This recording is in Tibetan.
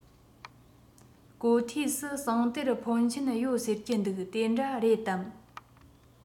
གོ ཐོས སུ ཟངས གཏེར འཕོན ཆེན ཡོད ཟེར གྱི འདུག དེ འདྲ རེད དམ